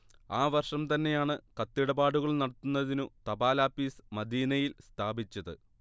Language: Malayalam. ആ വർഷം തന്നെയാണ് കത്തിടപാടുകൾ നടത്തുന്നതിനു തപാലാപ്പീസ് മദീനയിൽ സ്ഥാപിച്ചത്